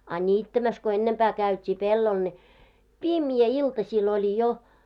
a niittämässä kun ennempää käytiin pellolla ne pimeä iltasilla oli jo